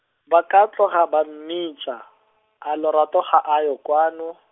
ba ka tloga ba mmitsa, a Lorato ga a yo kwano?